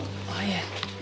O ie.